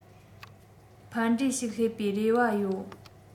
ཕན འབྲས ཞིག སླེབས པའི རེ བ ཡོད